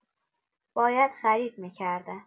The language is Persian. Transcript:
باید خرید می‌کردم.